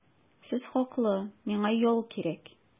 Сез хаклы, миңа ял кирәк.